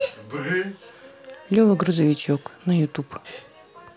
лева грузовичок на ютуб